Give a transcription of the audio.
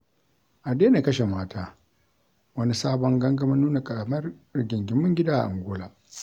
A daina kashe mata - wani sabon gangamin nuna ƙyamar rigingimun gida a Angola.